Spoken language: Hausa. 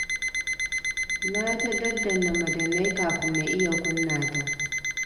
Na ta daddanna madannai kafin na iya kunna ta.